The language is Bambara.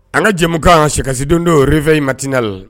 An ka jɛmukan sɛkasikan dondon réveil matinal